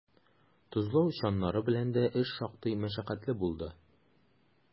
Тозлау чаннары белән дә эш шактый мәшәкатьле булды.